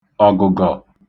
ọ̀gụ̀gọ̀